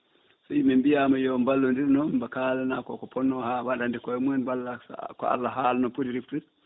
so yimɓe mbiyama yo ballodir noon kalana koko ponno ha waɗande koyemumen walla ko Allah haalno pooti reftude